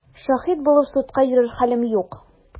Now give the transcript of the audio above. Шаһит булып судка йөрер хәлем юк!